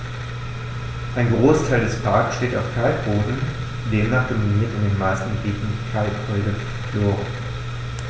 Ein Großteil des Parks steht auf Kalkboden, demnach dominiert in den meisten Gebieten kalkholde Flora.